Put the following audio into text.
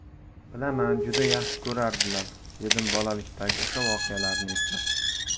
bilaman juda yaxshi ko'rardilar dedim bolalikdagi o'sha voqealarni eslab